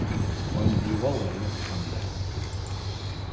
ein revolvari kann vera hentur